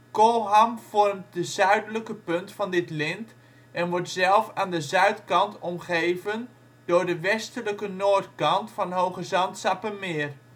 Kolham vormt de zuidelijke punt van dit lint en wordt zelf aan de zuidkant omgeven door de westelijke noordkant van Hoogezand-Sappemeer